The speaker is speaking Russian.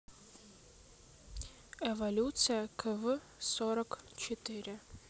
эволюция кв сорок четыре